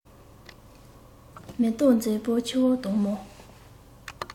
མེ ཏོག མཛེས པོ ཆུ བོ དྭངས མོ